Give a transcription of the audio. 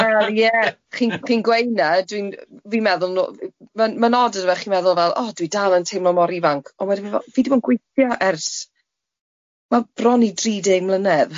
Wel ie chi'n chi'n gweud na dwi'n fi'n meddwl nw- ma'n ma'n od ydyw e chi'n meddwl fel o dwi dal yn teimlo mor ifanc, ond wedyn fi fel fi di bod yn gweithio ers, wel bron i dri deg mlynedd .